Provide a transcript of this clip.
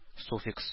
Суффикс